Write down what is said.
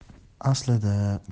aslida musobaqani yomon